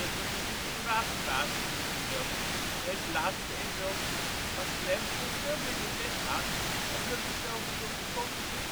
druppeltjes in de waterfase is verdeeld. Deze laatste emulsie als crème voelt veel minder vet aan omdat de zogenoemde continue